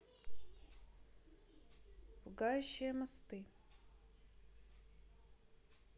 пугающие мосты